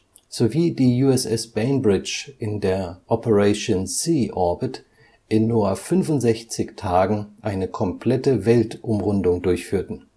sowie die USS Bainbridge in der Operation Sea Orbit in nur 65 Tagen eine komplette Weltumrundung durchführten